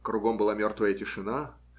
Кругом была мертвая тишина.